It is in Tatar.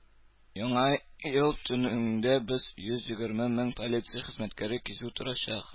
Яңа ел төнендә без йөз егерме мең полиция хезмәткәре кизү торачак.